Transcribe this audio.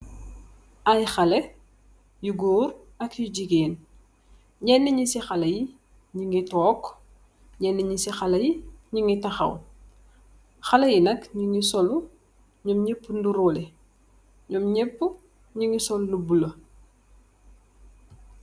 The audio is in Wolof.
Ay xalèh yu gór ak yu gigeen ñenni ñi ci xalèh yi ñgi tóóg ñenni ñi ci xalèh ñi ñgi taxaw. Xalèh yi nak ñu ngi sol lu ñom ñap ñgi niroleh.